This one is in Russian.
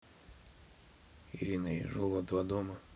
ирина ежова два дома